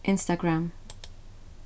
instagram